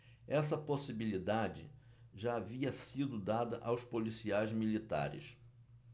essa possibilidade já havia sido dada aos policiais militares